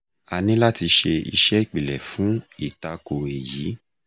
A ní láti ṣe iṣẹ́ ìpìlẹ̀ fún ìtako èyí.